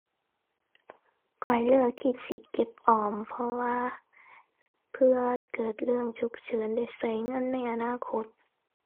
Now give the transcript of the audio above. ข้อยเลือกที่สิเก็บออม เพราะว่าเผื่อเกิดเรื่องฉุกเฉินได้ใช้เงินในอานาคต